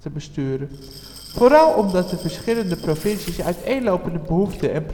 besturen. Vooral omdat de verschillende provincies uiteenlopende behoeften